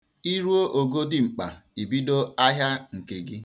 Iruo ogo dimkpa, ibido ahịa nke gị.